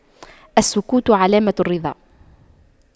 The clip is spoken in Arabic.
السكوت علامة الرضا